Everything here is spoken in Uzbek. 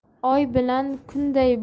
oy bilan kunday